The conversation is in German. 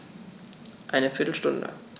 Eine viertel Stunde